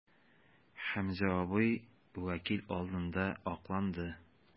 Хәмзә абый вәкил алдында акланды.